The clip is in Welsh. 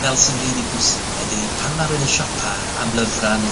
weld sy'n rili bwysig ydi, pan ma' rywun yn y siopa am lyfra neu